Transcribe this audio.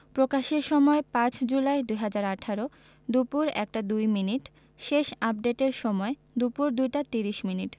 প্রকাশের সময় ৫ জুলাই ২০১৮ দুপুর ১টা ২মিনিট শেষ আপডেটের সময় দুপুর ২টা ৩০ মিনিট